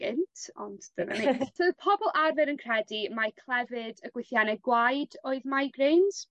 gynt ond dyna ni. So o'dd pobol arfer yn credu mai clefyd y gwythienne gwaed oedd migraines